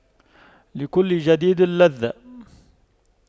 لكل جديد لذة